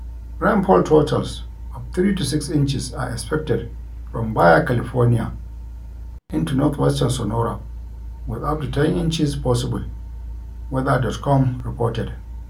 "Rainfall totals of 3 to 6 inches are expected from Baja California into northwestern Sonora, with up to 10 inches possible," weather.com reported.